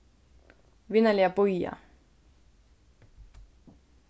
vinarliga bíða